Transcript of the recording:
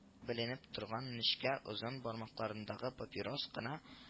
Беленеп торган нечкә озын бармакларындагы папирос кына